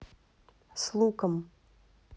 с луком